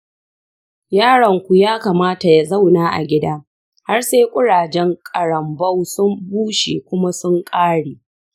yaronku ya kamata ya zauna a gida har sai kurajen ƙarambau sun bushe kuma sun ƙare.